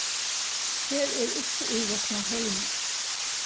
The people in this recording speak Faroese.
her er ikki íroknað hólmar